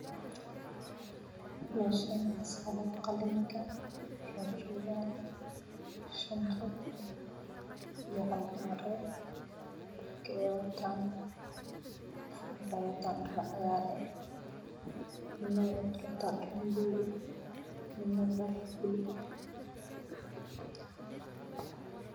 Meshani waa sald qaliinak waxaa jogaan shan rag ah iyo hal dumar ah dhar ey wataan qof waxow wataa dhar cagaar ah midane waxow wataa dhar wadow ah midne dhar bulug ah